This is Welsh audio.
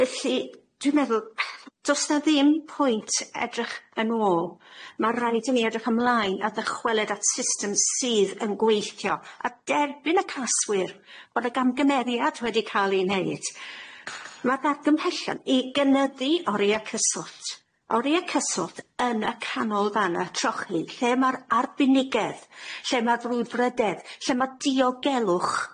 Felly dwi'n meddwl do's 'na ddim pwynt edrych yn ôl, ma' raid i ni edrych ymlaen a dychwelyd at system sydd yn gweithio a derbyn y casgliad bod 'na gamgymeriad wedi ca'l i neud, ma'r argymhellion i gynyddu oria cyswllt, oria cyswllt yn y Canolfanna Trochi, lle ma'r arbenigedd, lle ma'r brwdfrydedd, lle ma'r diogelwch,